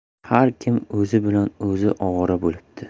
har kim o'zi bilan o'zi ovora bo'libdi